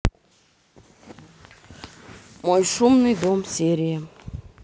мой шумный дом серия